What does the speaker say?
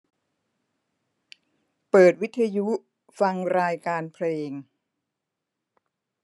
เปิดวิทยุฟังรายการเพลง